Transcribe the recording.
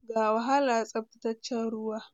Ga wahala tsabtataccen Ruwa.”